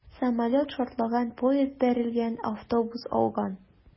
Самолет шартлаган, поезд бәрелгән, автобус ауган...